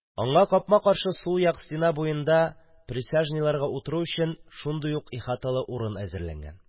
Аңа капма-каршы сул як стена буенда да присяжныйларга утыру өчен шундый ук ихаталы урын әзерләнгән.